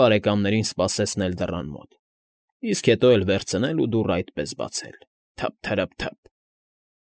Բարեկամներին սպասեցնել դռան մոտ, իսկ հետո էլ վերցնել ու դուռն այդպես բացել՝ թը՜փ֊ թըրը՜փ֊ թը՜փ։